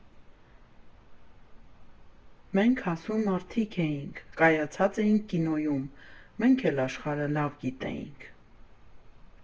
Մենք հասուն մարդիկ էինք, կայացած էինք կինոյում, մենք էլ աշխարհը լավ գիտեինք։